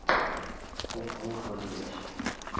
heshteg выжить